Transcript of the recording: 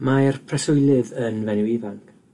Mae'r preswylydd yn fenyw ifanc,